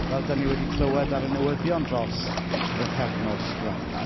fel dan ni wedi clywed ar y newyddion dros y bythefnos diwetha.